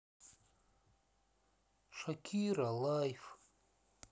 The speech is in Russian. шакира лайф